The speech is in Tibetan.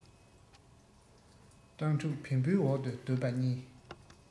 སྤྲང ཕྲུག བེམ པོའི འོག ཏུ སྡོད པ གཉིས